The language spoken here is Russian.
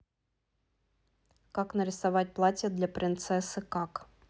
как нарисовать платье для принцессы как